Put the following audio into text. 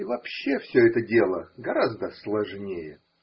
Вообще все это дело гораздо сложнее.